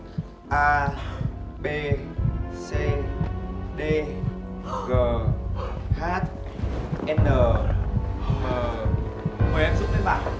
a bê xê đê gờ hát en nờ mờ mời em dũng lên bảng